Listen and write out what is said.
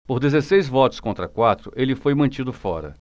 por dezesseis votos contra quatro ele foi mantido fora